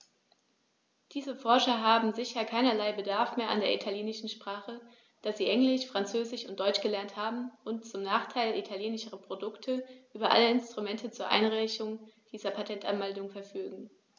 Diese Forscher haben sicher keinerlei Bedarf mehr an der italienischen Sprache, da sie Englisch, Französisch und Deutsch gelernt haben und, zum Nachteil italienischer Produkte, über alle Instrumente zur Einreichung dieser Patentanmeldungen verfügen.